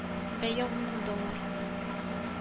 Бәя ун мең доллар